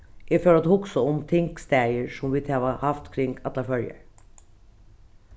eg fór at hugsa um tingstaðir sum vit hava havt kring allar føroyar